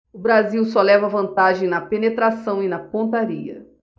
o brasil só leva vantagem na penetração e na pontaria